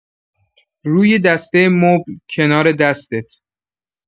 روی دسته مبل، کنار دستت.